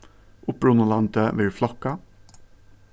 upprunalandið verður flokkað